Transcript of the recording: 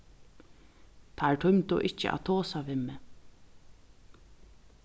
teir tímdu ikki at tosa við meg